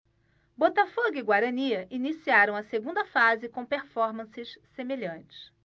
botafogo e guarani iniciaram a segunda fase com performances semelhantes